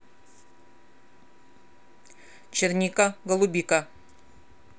черника голубика